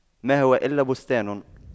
ما هو إلا بستان